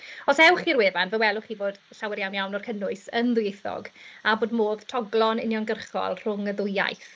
Os ewch i'r wefan, fe welwch chi bod llawer iawn iawn o'r cynnwys yn ddwyieithog, a bod modd toglo yn uniongyrchol rhwng y ddwy iaith.